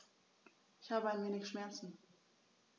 Ich habe ein wenig Schmerzen.